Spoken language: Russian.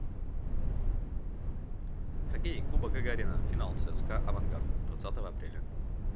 хоккей кубок гагарина финал цска авангард двадцатого апреля